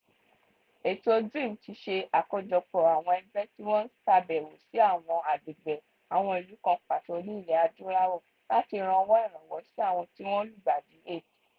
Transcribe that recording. Ètò DREAM ti ṣe àkójọ àwọn ẹgbẹ́ tí wọ́n ṣàbẹ̀wò sí àwọn agbègbè àwọn ìlú kan pàtó ní ilẹ̀ adúláwò láti ranwọ́ ìrànwọ̀ sí àwọn tí wọ́n lùgbàdì AIDS.